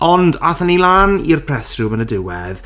Ond aethon ni lan i'r press room yn y diwedd...